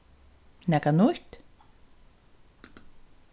nakað nýtt